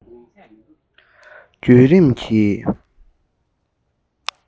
རྒྱུད རིམ གྱི